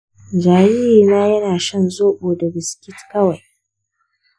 jariri na yana shan zobo da biskit kawai.